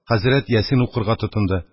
Хәзрәт «Ясин» укырга тотынды.